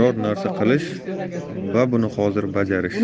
biror narsa qilish va buni hozir bajarish